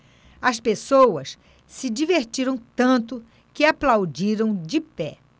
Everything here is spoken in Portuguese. as pessoas se divertiram tanto que aplaudiram de pé